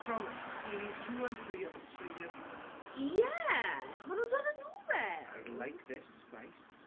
From series two and three of Australia's Love Island.... Ie, maen nhw'n dod â nhw mewn... I like this spice.